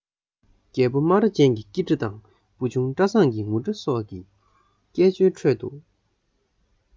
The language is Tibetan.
རྒད པོ རྨ ར ཅན གྱི ཀི སྒྲ དང བུ ཆུང བཀྲ བཟང གི ངུ སྒྲ སོགས ཀྱི སྐད ཅོའི ཁྲོད དུ